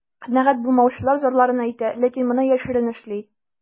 Канәгать булмаучылар зарларын әйтә, ләкин моны яшерен эшли.